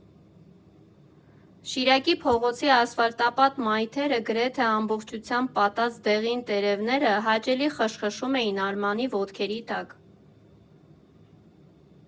Շիրակի փողոցի ասֆալտապատ մայթեզրը գրեթե ամբողջությամբ պատած դեղին տերևները հաճելի խշխշում էին Արմանի ոտքերի տակ։